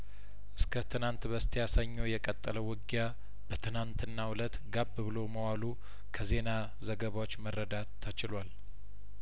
እስከትናንት በስቲያ ሰኞ የቀጠለው ውጊያ በትናንትናው እለት ጋብ ብሎ መዋሉ ከዜና ዘገባዎች መረዳት ተችሏል